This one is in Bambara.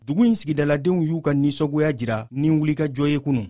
dugu sigidaladenw y'u ka nisɔngoya jira ni wulikajɔ ye kunun